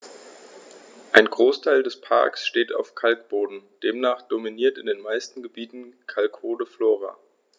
Ein Großteil des Parks steht auf Kalkboden, demnach dominiert in den meisten Gebieten kalkholde Flora.